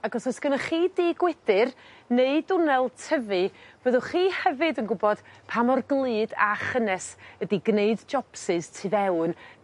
ac os o's gynnoch chi dŷ gwydyr neu dwnnel tyfu fyddwch chi hefyd yn gwbod pa mor glud a chynnes ydi gneud jopsys tu fewn